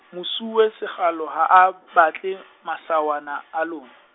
mosuwe Sekgalo ha a, batle, masawana a lona.